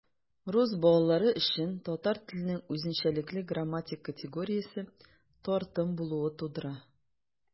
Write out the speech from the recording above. Рус балалары өчен татар теленең үзенчәлекле грамматик категориясе - тартым булуы тудыра.